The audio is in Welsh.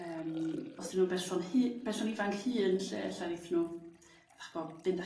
yrm os 'dyn nhw'n berson hŷ- berson ifanc hŷn 'lly e'lla' neith nhw 'dach 'bo' fynd â